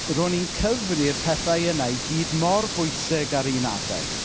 Ro'n i'n cyfri'r pethau yna i gyd mor bwysig ar un adeg.